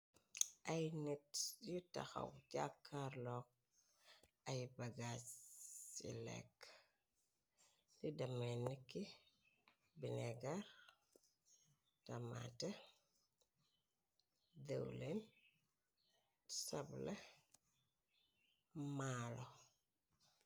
Ay net yu taxaw jàkkaar look ay bagaat ci lekk di damen ki binegar tamate dhew leen sabla maalo.